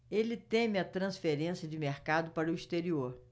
ele teme a transferência de mercado para o exterior